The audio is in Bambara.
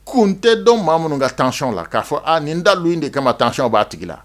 Kun tɛ dɔn maa minnu ka taayɔn la k'a fɔ nin dalu de kama ma tanyɔn b'a tigi la